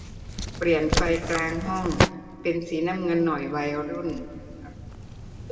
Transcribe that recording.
เปลี่ยนไฟกลางห้องเป็นสีน้ำเงินหน่อยวัยรุ่น